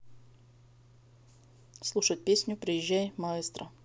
слушать песню приезжай маэстро